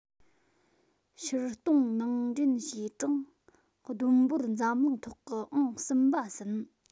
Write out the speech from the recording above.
ཕྱིར གཏོང ནང འདྲེན བྱས གྲངས བསྡོམས འབོར འཛམ གླིང ཐོག གི ཨང གསུམ པ ཟིན